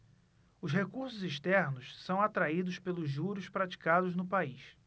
os recursos externos são atraídos pelos juros praticados no país